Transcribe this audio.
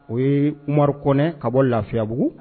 O yemarikɛ ka bɔ lafiyabugu